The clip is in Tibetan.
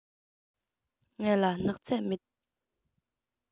ང ལ སྣག ཚ མེད